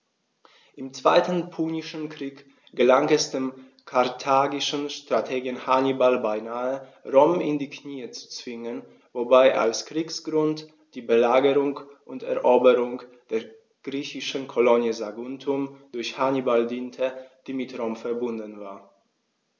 Im Zweiten Punischen Krieg gelang es dem karthagischen Strategen Hannibal beinahe, Rom in die Knie zu zwingen, wobei als Kriegsgrund die Belagerung und Eroberung der griechischen Kolonie Saguntum durch Hannibal diente, die mit Rom „verbündet“ war.